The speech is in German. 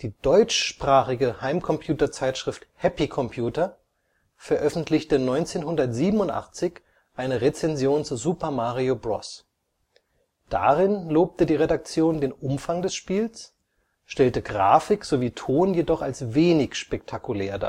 deutschsprachige Heimcomputerzeitschrift Happy Computer veröffentlichte 1987 eine Rezension zu Super Mario Bros. Darin lobte die Redaktion den Umfang des Spiels, stellte Grafik sowie Ton jedoch als wenig spektakulär